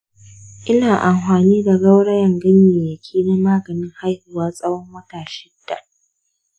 ina amfani da gaurayen ganyayyaki na maganin haihuwa tsawon watanni shida.